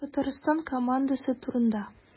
Татарстан командасы турында.